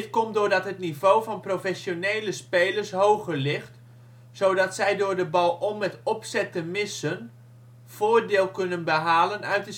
komt doordat het niveau van professionele spelers hoger ligt, zodat zij door de ball-on met opzet te missen, voordeel kunnen behalen uit